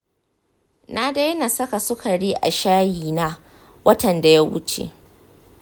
na daina saka sukari a shayi na watan da ya wuce.